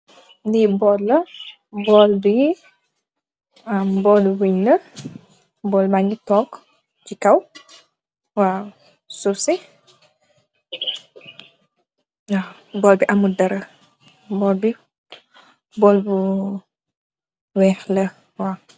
Li bowla bowl bange tegu si kaw suff si bowl bi amut dara bowl bu wekh la